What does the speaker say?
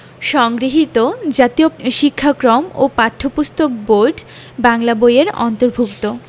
সংগৃহীত জাতীয় শিক্ষাক্রম ও পাঠ্যপুস্তক বোর্ড বাংলা বই এর অন্তর্ভুক্ত